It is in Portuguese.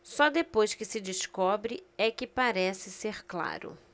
só depois que se descobre é que parece ser claro